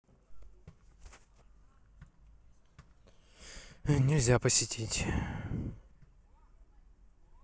нельзя посетить